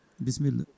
bisimilla